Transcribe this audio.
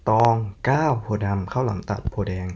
ตองเก้าโพธิ์ดำข้าวหลามตัดโพธิ์แดง